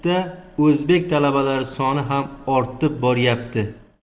talabalari soni ham ortib boryapti